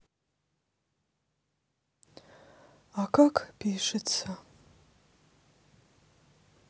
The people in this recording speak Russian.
а как пишется